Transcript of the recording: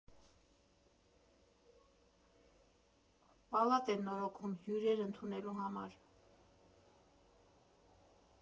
Պալատ են նորոգում՝ հյուրեր ընդունելու համար։